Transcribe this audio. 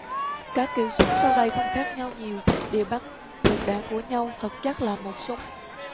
các kiểu súng sau đây không khác nhau nhiều đều bắn được đạn của nhau thực chất là một súng